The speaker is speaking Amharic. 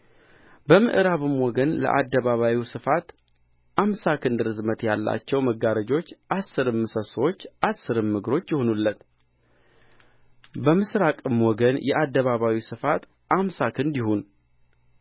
በምዕራብም ወገን ለአደባባዩ ስፋት አምሳ ክንድ ርዝመት ያላቸው መጋረጆች አሥርም ምሰሶች አሥርም እግሮች ይሁኑለት በምሥራቅም ወገን የአደባባዩ ስፋት አምሳ ክንድ ይሁን